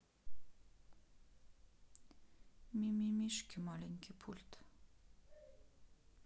мимимишки маленький пульт